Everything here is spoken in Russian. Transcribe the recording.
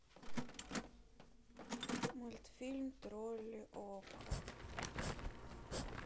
мультфильм тролли окко